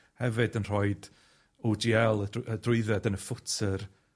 hefyd yn rhoid Owe Gee El y drw- y drwydded yn y footer